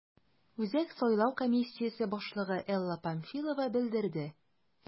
Үзәк сайлау комиссиясе башлыгы Элла Памфилова белдерде: